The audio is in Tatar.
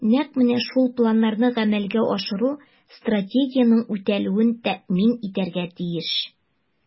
Нәкъ менә шул планнарны гамәлгә ашыру Стратегиянең үтәлүен тәэмин итәргә тиеш.